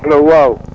allo waaw